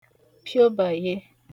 piobàye